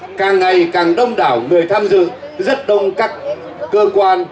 càng ngày càng đông đảo người tham dự rất đông các cơ quan